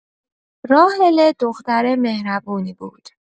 راحله دختر مهربونی بود.